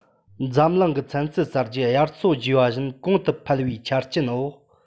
འཛམ གླིང གི ཚན རྩལ གསར བརྗེ དབྱར མཚོ རྒྱས པ བཞིན གོང དུ འཕེལ བའི ཆ རྐྱེན འོག